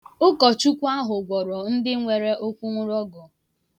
Ụkọchukwu ahụ gwọrọ ndị nwere ụkwụnrọgọ.